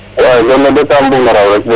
A gon le de kaam bug'un o raw rek.